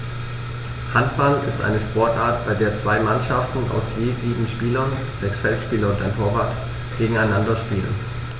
Handball ist eine Sportart, bei der zwei Mannschaften aus je sieben Spielern (sechs Feldspieler und ein Torwart) gegeneinander spielen.